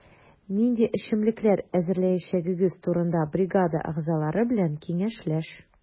Нинди эчемлекләр әзерләячәгегез турында бригада әгъзалары белән киңәшләш.